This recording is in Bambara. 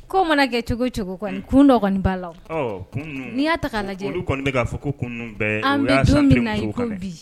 Ko mana kɛ cogo cogo kun dɔgɔnin n'ia